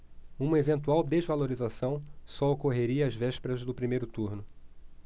uma eventual desvalorização só ocorreria às vésperas do primeiro turno